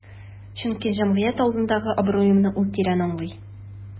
Чөнки җәмгыять алдындагы абруемны ул тирән аңлый.